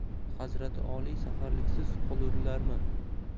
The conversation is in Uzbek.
hazrati oliy saharliksiz qolurlarmu